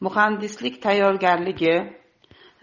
muhandislik tayyorgarligi